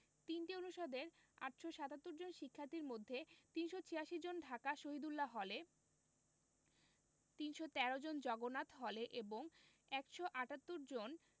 ৩টি অনুষদের ৮৭৭ জন শিক্ষার্থীর মধ্যে ৩৮৬ জন ঢাকা শহীদুল্লাহ হলে ৩১৩ জন জগন্নাথ হলে এবং ১৭৮ জন